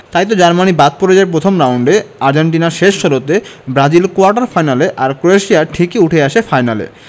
তাইতো জার্মানি বাদ পড়ে যায় প্রথম রাউন্ডে আর্জেন্টিনা শেষ ষোলোতে ব্রাজিল কোয়ার্টার ফাইনালে আর ক্রোয়েশিয়া ঠিকই উঠে আসে ফাইনালে